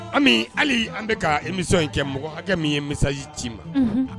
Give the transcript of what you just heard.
Hali an bɛka ka emisɔn in kɛ mɔgɔ hakɛ min ye misaji ci ma